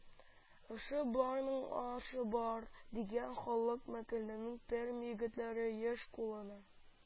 Эше барның ашы бар” дигән халык мәкален Пермь егетләре еш кулла